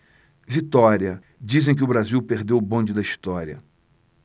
vitória dizem que o brasil perdeu o bonde da história